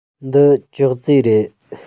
འདི ཅོག ཙེ རེད